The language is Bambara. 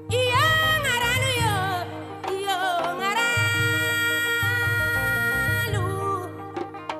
Miniyan y'agɛnin yogɛnin yo bɛ